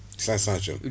cinq cent jeunes